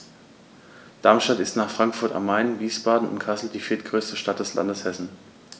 Darmstadt ist nach Frankfurt am Main, Wiesbaden und Kassel die viertgrößte Stadt des Landes Hessen